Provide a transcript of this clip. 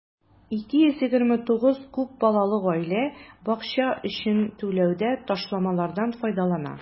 229 күп балалы гаилә бакча өчен түләүдә ташламалардан файдалана.